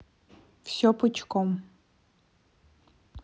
все пучком